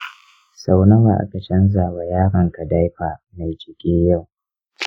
sau nawa aka canza wa yaranka diaper mai jike yau?